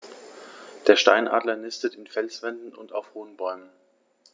Der Steinadler nistet in Felswänden und auf hohen Bäumen.